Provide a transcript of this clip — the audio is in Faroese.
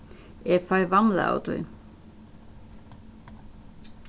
eg fái vaml av tí